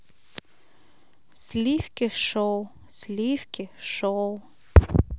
сливки шоу сливки шоу